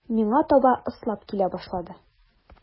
Миңа таба ыслап килә башлады.